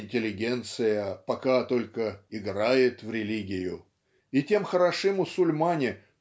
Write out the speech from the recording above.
"Интеллигенция пока только играет в религию" и тем хороши мусульмане